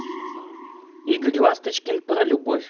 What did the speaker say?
игорь ласточкин про обувь